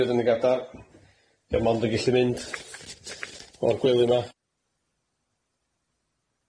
yn y gadar, mae mond yn gellu mynd, o'r gwely ma'.